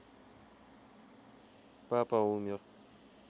папа умер